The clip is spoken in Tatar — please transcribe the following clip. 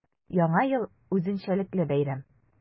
Яңа ел – үзенчәлекле бәйрәм.